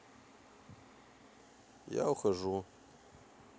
я ухожу